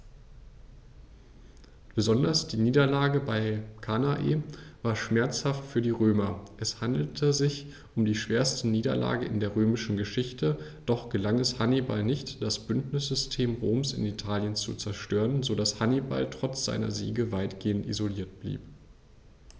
Besonders die Niederlage bei Cannae war schmerzhaft für die Römer: Es handelte sich um die schwerste Niederlage in der römischen Geschichte, doch gelang es Hannibal nicht, das Bündnissystem Roms in Italien zu zerstören, sodass Hannibal trotz seiner Siege weitgehend isoliert blieb.